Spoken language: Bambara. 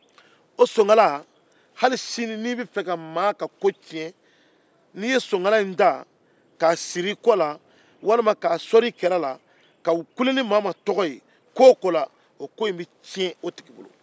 hali sini n'i b'a fɛ maa ka ko tiɲɛ n'i ye sonkala ta k'a siri i kɔ la walima k'a sɔɔri i kɛrɛ la ka kule ni maa o maa tɔgɔ ye ko in bɛ tiɲɛ o tigi bolo